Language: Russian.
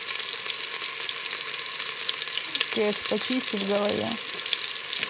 кеш почисти в голове